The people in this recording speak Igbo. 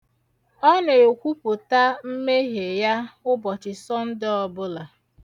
Ọ na-ekwupụta mmehie ya ụbọchị sonde ọbụla.